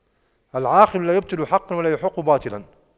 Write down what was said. العاقل لا يبطل حقا ولا يحق باطلا